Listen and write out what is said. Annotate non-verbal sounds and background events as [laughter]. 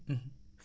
[hesitation] [hesitation]